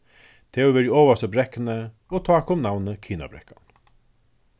tað hevur verið ovast í brekkuni og tá kom navnið kinabrekkan